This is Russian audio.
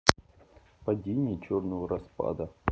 падение черного распада